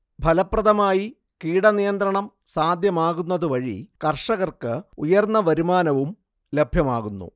ഫലപ്രദമായി കീടനിയന്ത്രണം സാധ്യമാകുന്നതു വഴി കർഷകർക്ക് ഉയർന്ന വരുമാനവും ലഭ്യമാകുന്നു